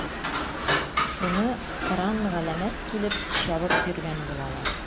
Шуны кыран-галәмәт килеп чабып йөргән булалар.